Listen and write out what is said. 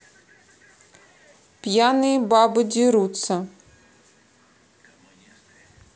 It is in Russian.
пьяные бабы дерутся